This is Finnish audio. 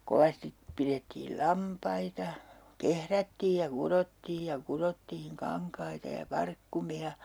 kovasti pidettiin lampaita kehrättiin ja kudottiin ja kudottiin kankaita ja parkkumia